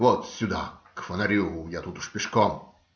- Вот сюда, к фонарю. Я тут уж пешком.